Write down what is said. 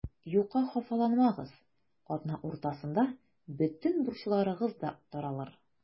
Юкка хафаланмагыз, атна уртасында бөтен борчуларыгыз да таралыр.